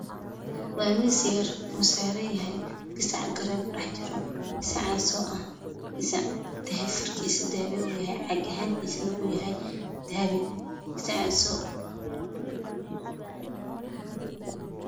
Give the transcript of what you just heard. Waa miis yar Uu saaran yahay gasac furkiisa yahay dahabi